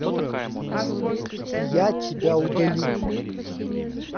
я тебя удалю